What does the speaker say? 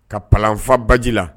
Ka panfa baji la